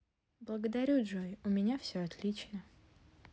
благодарю джой у меня все отлично